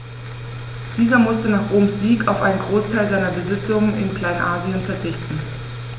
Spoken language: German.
Dieser musste nach Roms Sieg auf einen Großteil seiner Besitzungen in Kleinasien verzichten.